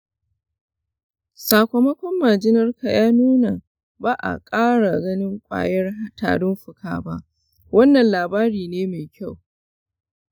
sakamakon majinarka ya nuna ba a ƙara ganin ƙwayar tarin fuka ba, wannan labari ne mai kyau.